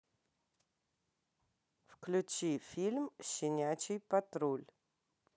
включи фильм щенячий патруль